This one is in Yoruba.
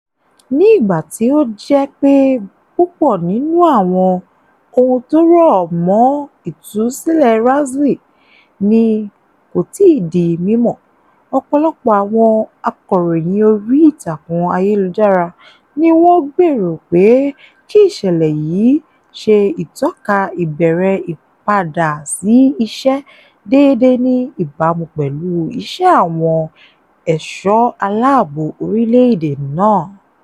Ní ìgbà tí ó jẹ́ pé púpọ̀ nínú àwọn ohun tó rọ̀ mọ́ ìtúsílẹ̀ Razily ni kò tíì di mímọ̀, ọ̀pọ̀lọpọ̀ àwọn akọ̀ròyìn orí ìtàkùn ayélujára ni wọ́n gbèrò pé kí ìṣẹ̀lẹ̀ yìí ṣe ìtọ́ka ìbẹ̀rẹ̀ ìpadà sí ìṣe déédé ní ìbámu pẹ̀lú ìṣe àwọn ẹ̀ṣọ́ aláàbò orílẹ̀ èdè náà.